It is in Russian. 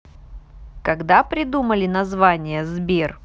когда придумали название сбер